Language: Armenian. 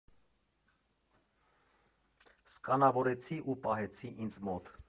Սկանավորեցի ու պահեցի ինձ մոտ։